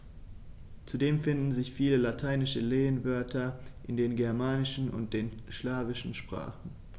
Zudem finden sich viele lateinische Lehnwörter in den germanischen und den slawischen Sprachen.